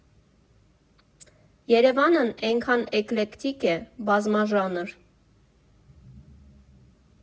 Երևանն էնքա՜ն էկլեկտիկ է, բազմաժանր։